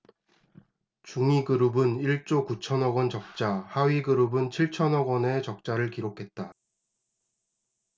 중위그룹은 일 조 구천 억원 적자 하위그룹은 칠천 억원 의 적자를 기록했다